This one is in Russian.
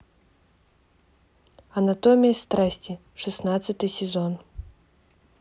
анатомия страсти шестнадцатый сезон